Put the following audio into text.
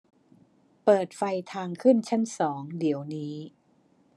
เปิดไฟทางขึ้นชั้นสองเดี๋ยวนี้